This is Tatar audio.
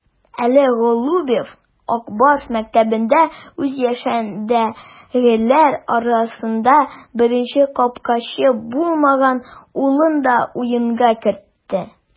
Әле Голубев "Ак Барс" мәктәбендә үз яшендәгеләр арасында беренче капкачы булмаган улын да уенга кертте.